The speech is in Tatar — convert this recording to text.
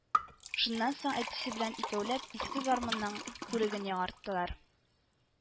Шуннан соң әтисе белән икәүләп иске гармунның күреген яңарттылар